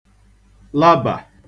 labà